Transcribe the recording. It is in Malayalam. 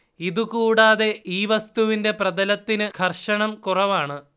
ഇതു കൂടാതെ ഈ വസ്തുവിന്റെ പ്രതലത്തിന് ഘർഷണം കുറവാണ്